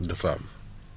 de femmes